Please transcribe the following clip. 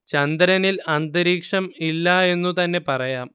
ചന്ദ്രനില്‍ അന്തരീക്ഷം ഇല്ല എന്നു തന്നെ പറയാം